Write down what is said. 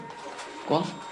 Gwel'?